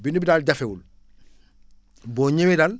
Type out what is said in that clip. bindu bi daal jafewul boo ñëwee daal